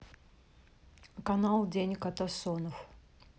канал день катасонов